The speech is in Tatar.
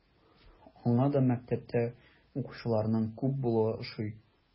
Аңа да мәктәптә укучыларның күп булуы ошый.